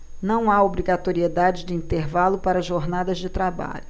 não há obrigatoriedade de intervalo para jornadas de trabalho